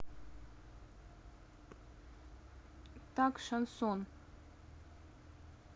так шансон